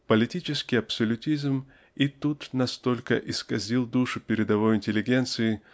Политический абсолютизм и тут настолько исказил душу передовой интеллигенции